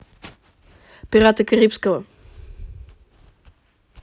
пираты карибского